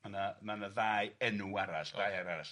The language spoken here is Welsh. Ma' na ma' na ddau enw arall, ddau enw arall.